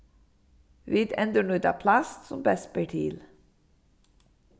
vit endurnýta plast sum best ber til